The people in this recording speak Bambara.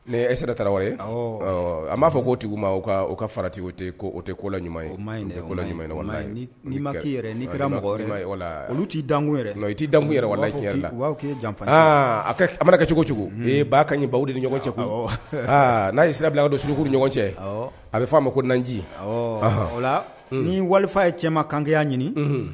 E sera taara a b'a fɔ ko o tigi ma ka fara o o tɛ kolɔ ɲuman ye tɛ ɲuman ma ki yɛrɛ n' kɛra la olu t'i i t' da la'i janfa aa a a mana kɛ cogo cogo ba ka ɲi baw ni ɲɔgɔn cɛ n'a ye sira bila a don suruugu ni ɲɔgɔn cɛ a bɛ f'a ma ko naji o ni wali ye cɛ ma kanya ɲini